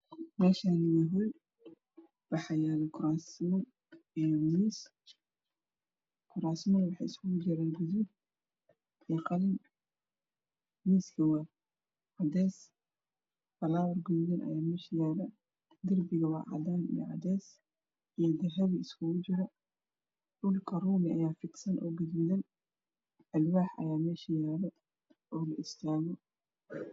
Meshani waa hol kurasmal iyo mis waxey iskugu jiran gudud iyo qalin miska waa cades falawar gududan aya mesha yaalo darbiga waa cadan iyo cades iyo dahabi iskugu jiro dhulka rumi aya fidsan o gududan alwax aya mesha yaala